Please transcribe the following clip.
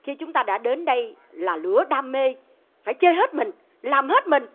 khi chúng ta đã đến đây là lửa đam mê phải chơi hết mình làm hết mình